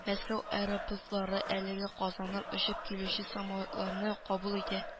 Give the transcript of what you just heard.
Мәскәү аэропортлары әлегә Казаннан очып килүче самолетларны кабул итә